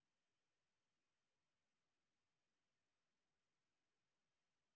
похороны добронравова